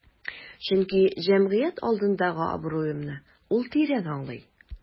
Чөнки җәмгыять алдындагы абруемны ул тирән аңлый.